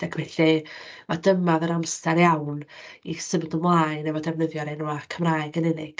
Ac felly, mai dyma oedd yr amser iawn i symud ymlaen efo defnyddio'r enwau Cymraeg yn unig.